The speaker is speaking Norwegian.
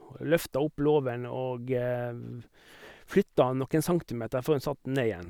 Og løfta opp låven og flytta han noen centimeter før hun satt den ned igjen.